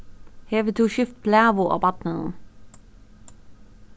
hevur tú skift blæu á barninum